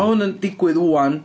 Ma' hwn yn digwydd 'wan.